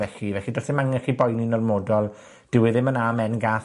felly. Felly do's ddim angen i chi boeni'n ormodol. Dyw e ddim yn amen gath